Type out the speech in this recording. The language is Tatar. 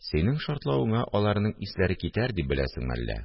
Синең шартлавыңа аларның исләре китәр дип беләсеңме әллә